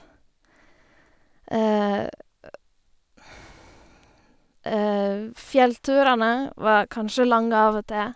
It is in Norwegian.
Fjellturene var kanskje lange av og til.